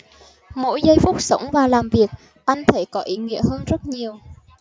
mỗi giây phút sống và làm việc oanh thấy có ý nghĩa hơn rất nhiều